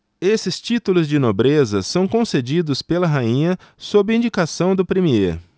esses títulos de nobreza são concedidos pela rainha sob indicação do premiê